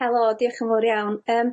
Helo diolch yn fowr iawn yym,